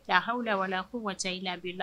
Lahaw la wala kuwata i la bi la